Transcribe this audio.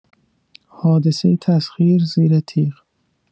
حادثه تسخیر، زیر تیغ!